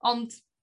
Ond